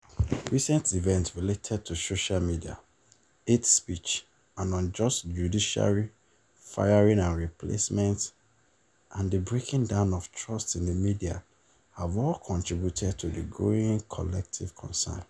Recent events related to social media, hate speech, an unjust judiciary firing and replacement, and the breaking down of trust in the media have all contributed to the growing collective concern.